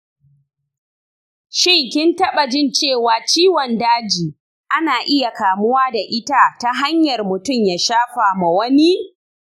shin kin tabajin cewa ciwon daji ana iya kamuwa da ita ta hanyar mutum ya shafa ma wani?